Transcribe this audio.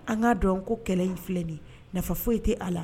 An k'a dɔn ko kɛlɛ in filɛ nin ye nafa foyi tɛ a la.